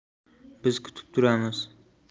biz kutib turamiz